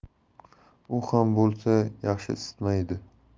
u ham bo'lsa yaxshi isitmaydi